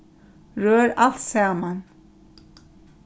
rør alt saman